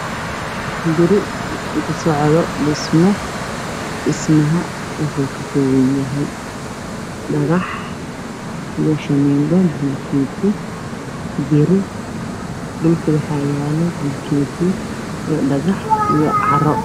Waa guri dhismo ku socda oo laga dhisaayo dhagax